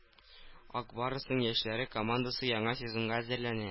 “ак барс”ның яшьләр командасы яңа сезонга әзерләнә